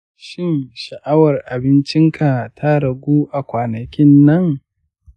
shin sha'awar abincinka ta ragu a kwanakin nan?